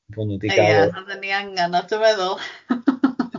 bo' nhw di gal... Ia odda ni angan o dwi'n meddwl.